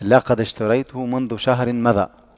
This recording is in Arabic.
لقد اشتريته منذ شهر مضى